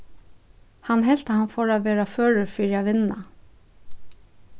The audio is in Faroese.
hann helt at hann fór at vera førur fyri at vinna